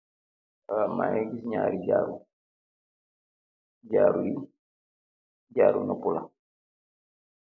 Maaget gis ñari jaaru, jaaru yi, jaaru noopu la.